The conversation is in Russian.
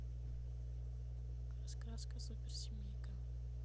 раскраска супер семейка